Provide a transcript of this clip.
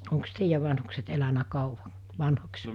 onko teidän vanhukset elänyt kauan vanhoiksi